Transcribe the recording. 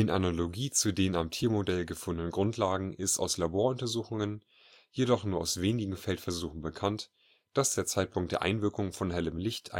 Analogie zu den am Tiermodell gefundenen Grundlagen ist aus Laboruntersuchungen, jedoch nur aus wenigen Feldversuchen, bekannt, dass der Zeitpunkt der Einwirkung von hellem Licht